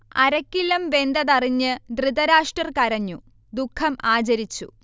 അരക്കില്ലം വെന്തതറിഞ്ഞ് ധൃതരാഷ്ട്രർ കരഞ്ഞു; ദുഃഖം ആചരിച്ചു